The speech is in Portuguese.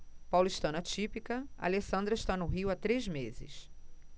paulistana típica alessandra está no rio há três meses